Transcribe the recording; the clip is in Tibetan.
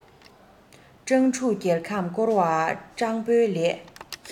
སྤྲང ཕྲུག རྒྱལ ཁམས བསྐོར བ སྤྲང པོའི ལས